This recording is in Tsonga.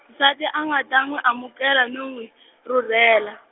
nsati a nga ta n'wi amukela no n'wi, rhurhela.